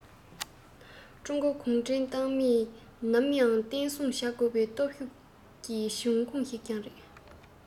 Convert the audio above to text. ཀྲུང གོའི གུང ཁྲན ཏང མིས ནམ ཡང བརྟན སྲུང བྱ དགོས པའི སྟོབས ཤུགས ཀྱི འབྱུང ཁུངས ཤིག ཀྱང རེད